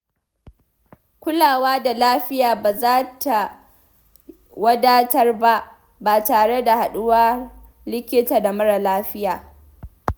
Kulawa da lafiya baza ta wadatar ba, ba tare da haɗuwar likita da mara lafiya.